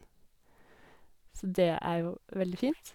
Så det er jo veldig fint.